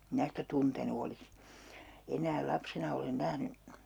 minä sitä tuntenut olisi enää lapsena olen nähnyt